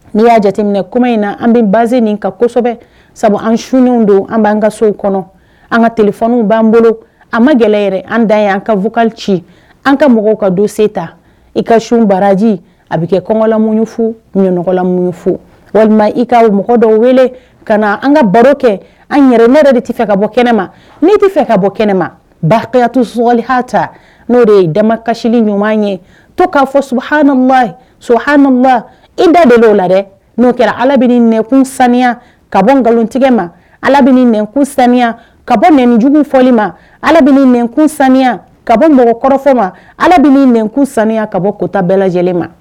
N'i y'a jateminɛ kuma in na an bɛ base nin kasɔ kosɛbɛ sabu an sunnenw don an b'an ka sow kɔnɔ an ka tfw b'an bolo an ma gɛlɛɛrɛ an da an kaugka ci an ka mɔgɔw ka don se ta i ka sun baraji a bɛ kɛ kɔngɔlamu fo ɲlamu fo walima i ka mɔgɔ dɔw wele ka na an ka baro kɛ an yɛrɛ ne yɛrɛ de tɛ fɛ ka bɔ kɛnɛma ne t tɛ fɛ ka bɔ kɛnɛ ma bayato sli ha ta n'o de ye damakasili ɲuman ye to kaa fɔ su haba so ha i dɛ de'o la dɛ n'o kɛra ala bɛ nkun saniya ka bɔ n nkalontigɛ ma ala bɛ nɛnkun saniya ka bɔ nɛnjugu fɔli ma ala bɛ nɛnkun saniya ka bɔ mɔgɔ kɔrɔfɔ ma ala bɛ nɛnkun saniya ka bɔ kota bɛɛ lajɛlen ma